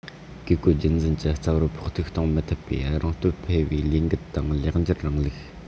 བཀས བཀོད རྒྱུད འཛིན གྱི རྩ བར ཕོག ཐུག གཏོང མི ཐུབ པའི རང སྟོབས འཕེལ བའི ལས འགུལ དང ལེགས འགྱུར རིང ལུགས